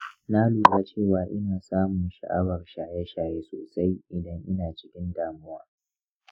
na lura cewa ina samun sha'awar shaye shaye sosai idan ina cikin damuwa